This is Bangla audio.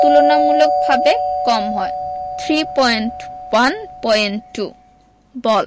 তুলনামূলকভাবে কম হয় 3.1.2 বল